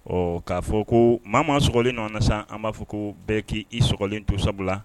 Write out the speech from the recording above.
Ɔ k'a fɔ ko maa maa sɔgɔlen do an na san an b'a fɔ ko bɛɛ k'i i sɔgɔlen to sabula